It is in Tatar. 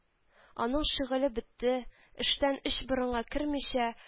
Аның шөгыле бетте – эштән, “өч борынга кермичә